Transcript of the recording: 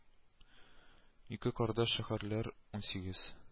Ике кардәш шәһәрләр унсигез